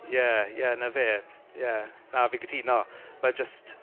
Ie ie 'na fe. Ie na fi'n cytuno. Ma' jyst...